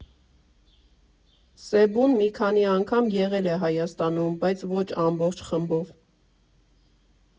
Սեբուն մի քանի անգամ եղել է Հայաստանում, բայց ոչ ամբողջ խմբով։